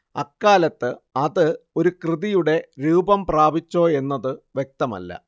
അക്കാലത്ത് അത് ഒരു കൃതിയുടെ രൂപം പ്രാപിച്ചോ എന്നത് വ്യക്തമല്ല